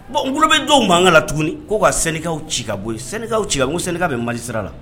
Bon n tulo bɛ dɔw mankan na tuguni ko ka syndicat ci ka bɔ yen, syndicat cira n ko syndicat bɛ magistrat la.